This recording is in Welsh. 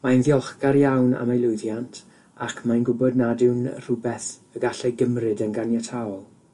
Mae'n ddiolchgar iawn am ei lwyddiant, ac mae'n gwbod nad yw'n rhywbeth y gallai gymryd yn ganiataol.